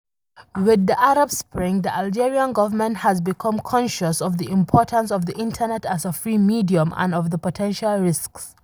With the Arab Spring, the Algerian government has become conscious of the importance of the Internet as a free medium and of the potential risks.